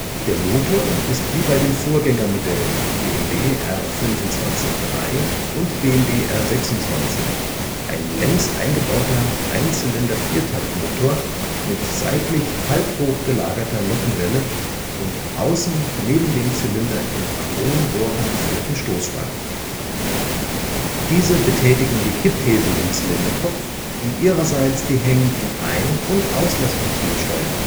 Der Motor ist wie bei den Vorgängermodellen BMW R 25/3 und BMW R 26 ein längs eingebauter Einzylinder-Viertaktmotor mit seitlich halbhoch gelagerter Nockenwelle und außen neben dem Zylinder in Chromrohren geführten Stoßstangen. Diese betätigen die Kipphebel im Zylinderkopf, die ihrerseits die hängenden Ein - und Auslassventile steuern